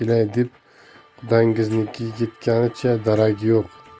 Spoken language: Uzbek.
deb qudangiznikiga ketganicha daragi yo'q